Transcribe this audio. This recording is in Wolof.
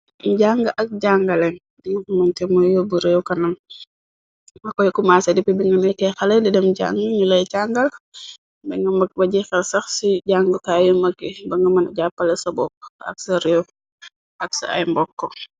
Ñjàng ak jàngalen, li nga xamante muy yóbbu réew kanam, nga ko kumaasé dippi bi nga nekkee xale, di dem jàng ñu lay jangal bi nga mag, ba jixal sax ci jàngutaayyu mag yi, ba nga mëna jàppale sa bokk ak sa réew ak sa ay mbokk.